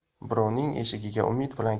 birovning eshigiga umid bilan